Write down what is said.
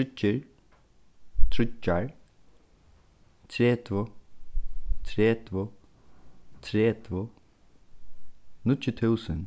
tríggir tríggjar tretivu tretivu tretivu níggju túsund